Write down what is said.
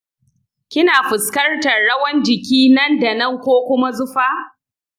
kina fuskantar rawan jiki nan da nan ko kuma zufa?